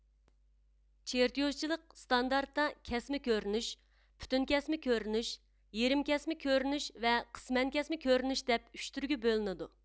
چىرتيوژچىلىق ستاندارتدا كەسمە كۆرۈنۈش پۈتۈك كەسمە كۆرۈنۈش يېرىم كەسمە كۆرۈنۈش ۋە قىسمەن كەسمە كۆرۈنۈش دەپ ئۈچ تۈرگە بۆلۈنىدۇ